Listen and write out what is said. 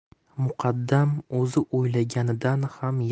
muqaddam o'zi o'ylaganidan ham